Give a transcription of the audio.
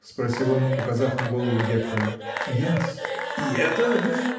— спросил он, указав на голову Гектора. — Я-с. — И это вы?